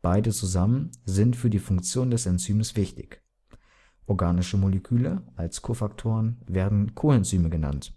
Beide zusammen sind für die Funktion des Enzyms wichtig. Organische Moleküle als Kofaktoren werden Koenzyme genannt